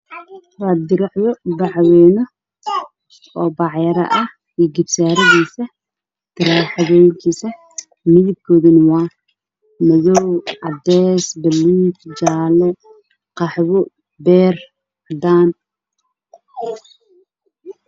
Waa diraacyo midabkoodu yahay madow cadays qaxwi